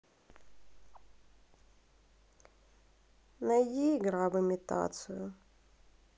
найди игра в имитацию